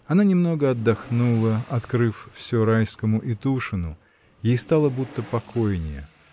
Она немного отдохнула, открыв всё Райскому и Тушину. Ей стало будто покойнее.